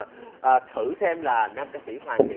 ờ thử xem là nam ca sĩ hoàng hiệp